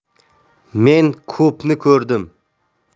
men ko'pni ko'rdim